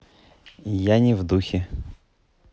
я не в духе